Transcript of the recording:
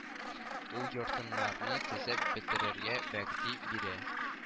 Ул йортыннарны төзеп бетерергә вәгъди бирә